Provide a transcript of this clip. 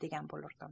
degan bo'lurdim